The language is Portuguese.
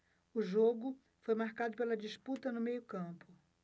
o jogo foi marcado pela disputa no meio campo